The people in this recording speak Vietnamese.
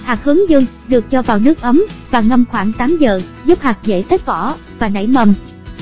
hạt hướng dương được cho vào nước ấm và ngâm khoảng giờ giúp hạt dễ tách vỏ và nảy mầm